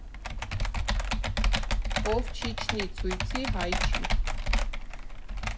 Ով չիջնի ցույցի, հայ չի։